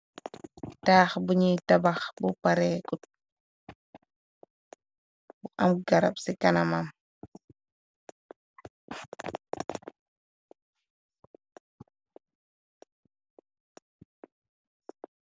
Taax buñuy tabax bu paree kut, bu am garab ci kanamam.